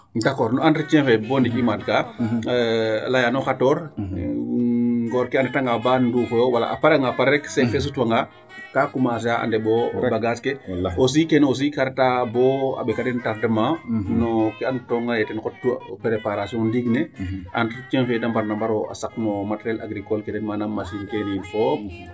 D,accord no entretient fee bo ndiik i maad kaa layaano xatoor ngoor ke a ndetatangaa baa nduufooyo wala a pare'anga pare rek seek fe sutwanga kaa commencer a a a ndeɓoyo bagage ke aussi keene aussi ka retaa bo a ɓek a den tardement no ke andatonga ye ten xotu no préparation ndiig ne enrtretient de mbarna mbar o saq no materiel agricole ke den manaam machine keene yiin fop.